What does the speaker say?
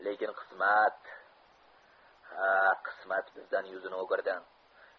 lekin qismat bizdan yuzini o'girdi